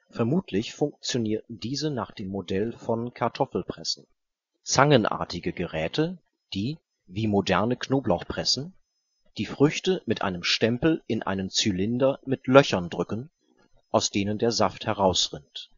Vermutlich funktionierten diese nach dem Modell von Kartoffelpressen: zangenartige Geräte, die, wie moderne Knoblauchpressen, die Früchte mit einem Stempel in einen Zylinder mit Löchern drücken, aus denen der Saft herausrinnt